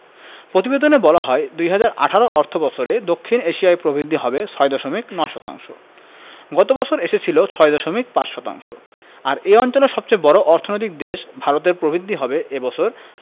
প্রতিবেদনে বলা হয় ২০১৮ অর্থবছরে দক্ষিণ এশিয়ায় প্রবৃদ্ধি হবে ৬.৯ শতাংশ গত বছর এসেছিল ৬.৫ শতাংশ আর এ অঞ্চলের সবচেয়ে বড় অর্থনৈতিক দেশ ভারতের প্রবৃদ্ধি হবে এ বছর